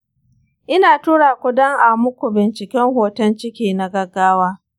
ina tura ku don a muku binciken hoton ciki na gaggawa